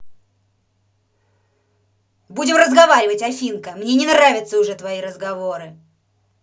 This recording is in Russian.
будем разговаривать афинка мне не нравится уже твои разговоры